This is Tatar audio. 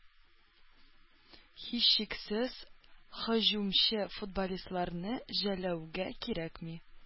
Һичшиксез һөҗүмче футболистларны жәллэүгә кирәкми.